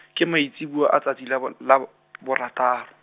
ke maitsiboa a tsatsi la bon-, la bo- borataro.